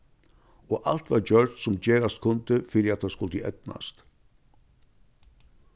og alt varð gjørt sum gerast kundi fyri at tað skuldi eydnast